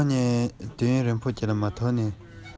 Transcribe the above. ཁོ ཚོས བཏུང བ འདུག